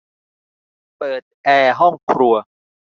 เปิดแอร์ห้องครัว